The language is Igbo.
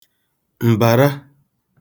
m̀bàra